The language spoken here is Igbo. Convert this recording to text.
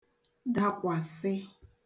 dakwasị̀